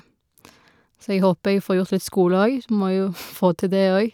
Så jeg håper jeg får gjort litt skole òg, sj må jo få til det òg.